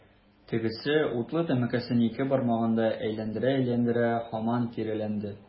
Тегесе, утлы тәмәкесен ике бармагында әйләндерә-әйләндерә, һаман киреләнде.